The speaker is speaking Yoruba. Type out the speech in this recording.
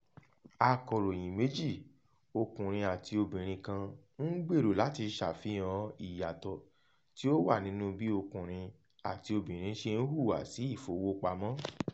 Akọ̀ròyìn méjì, ọkùnrin àti obìnrin kan ń gbèrò láti ṣàfihàn ìyàtọ̀ tí ó wà nínúu bí ọkùnrin àti obìnrin ṣe ń hùwà sí ìfowópamọ́.